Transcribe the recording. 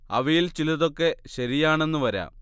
അവയിൽ ചിലതൊക്കെ ശരിയാണെന്ന് വരാം